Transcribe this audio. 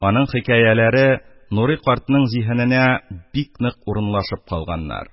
Аның хикәяләре Нурый картның зиһененә бик нык урынлашып калганнар.